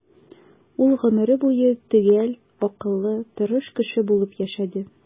Ул гомере буе төгәл, акыллы, тырыш кеше булып яшәде.